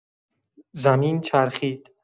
زمین چرخید.